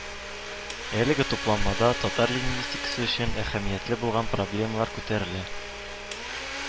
Әлеге тупланмада татар лингвистикасы өчен әһәмиятле булган проблемалар күтәрелә